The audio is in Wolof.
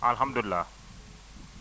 alhamdulilah